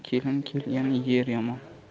kelin kelgan yer yomon